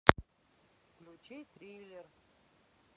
включи триллер